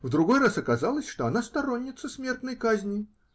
В другой раз оказалось, что она сторонница смертной казни.